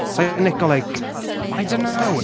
Sa i’n licio like... oh, I don’t know.